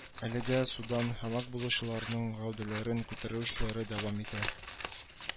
Әлегә судан һәлак булучыларның гәүдәләрен күтәрү эшләре дәвам итә